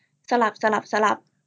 สลับสลับสลับ